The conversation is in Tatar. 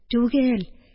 Түгел